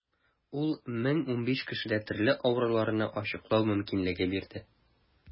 Ул 1015 кешедә төрле авыруларны ачыклау мөмкинлеге бирде.